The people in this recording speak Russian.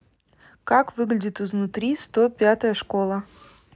как выглядит изнутри сто пятая школа